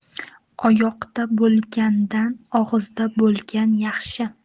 oyoqda bo'lgandan og'izda bo'lgan yaxshi